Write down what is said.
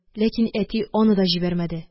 Ләкин әти аны да җибәрмәде.